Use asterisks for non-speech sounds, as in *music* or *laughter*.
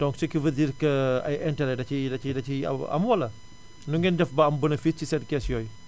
donc ce qui veut dire que *hesitation* ay interet da ciy da ciy da ciy am am wala nu ngeen def ba am bénéfice ci seen kees yooyu